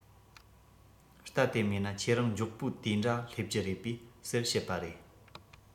རྟ དེ མེད ན ཁྱེད རང མགྱོགས པོ དེའི འདྲ སླེབས ཀྱི རེད པས ཟེར བཤད པ རེད